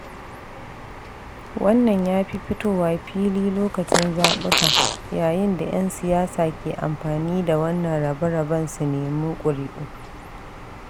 Wannan yafi fitowa fili lokacin zaɓuka yayin da 'yan siyasa ke amfani da wannan rabe-raben su nemi ƙuri'u.